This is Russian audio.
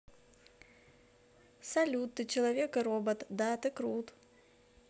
салют ты человек и робот да ты крут